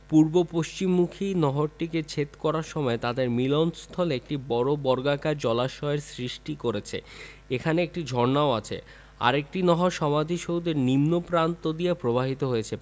পূর্ব পশ্চিমমুখী নহরটিকে ছেদ করার সময় তাদের মিলনস্থলে একটি বড় বর্গাকার জলাশয়ের সৃষ্টি করেছে এখানে একটি ঝর্ণাও আছে আর একটি নহর সমাধিসৌধের নিম্ন প্রান্ত দিয়ে প্রবাহিত হয়েছে